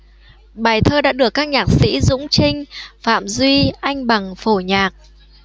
bài thơ đã được các nhạc sỹ dũng chinh phạm duy anh bằng phổ nhạc